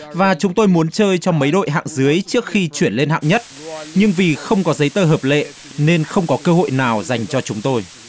và chúng tôi muốn chơi cho mấy đội hạng dưới trước khi chuyển lên hạng nhất nhưng vì không có giấy tờ hợp lệ nên không có cơ hội nào dành cho chúng tôi